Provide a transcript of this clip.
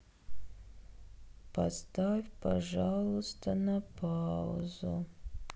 поставь пожалуйста на паузу